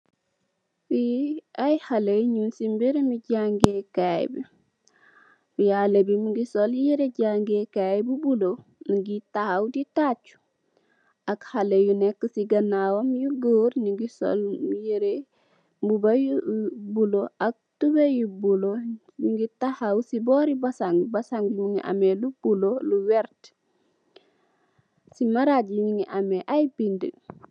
Fi ay haley nung ci mbèreèm mu jangukaay bi. Fi haley bi mungi sol yiré jangeekaay bu bulo nungi tahaw di tachu ak haley yu nekk ci ganaawam, am yu góor nungi sol yiré, mbuba yu bulo ak tubeye yu bulo nungi tahaw ci bori basang bi. Basang mungi ameh lu bulo, vert. Ci maraj bi mungi ameh ay bind.